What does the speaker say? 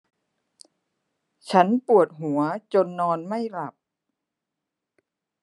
ฉันปวดหัวจนนอนไม่หลับ